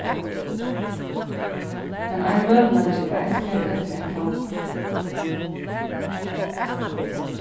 men ein møguleiki er eisini at hetta er ein kladda